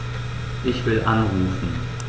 Ich will anrufen.